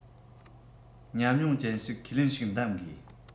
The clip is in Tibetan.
ཉམས མྱོང ཅན ཞིག ཁས ལེན ཞིག གདམ དགོས